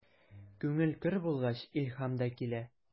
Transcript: Күңел көр булгач, илһам да килә.